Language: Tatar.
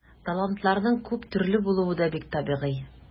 Талантларның күп төрле булуы да бик табигый.